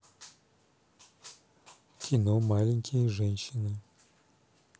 кино маленькие женщины